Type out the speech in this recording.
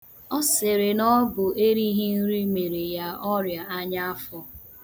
Ọ sịrị na ọ bụ erịghị nrị mere ya ọrịa ọnyaafọ.